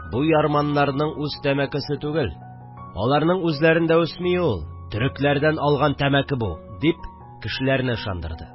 – бу ярманнарның үз тәмәкесе түгел, аларның үзләрендә үсми ул, төрекләрдән алган тәмәке бу, – дип кешеләрне ышандырды